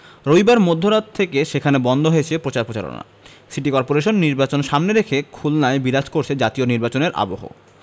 রবিবার মধ্যরাত থেকে সেখানে বন্ধ হয়েছে প্রচার প্রচারণা সিটি করপোরেশন নির্বাচন সামনে রেখে খুলনায় বিরাজ করছে জাতীয় নির্বাচনের আবহ